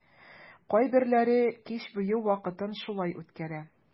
Кайберләре кич буе вакытын шулай үткәрә.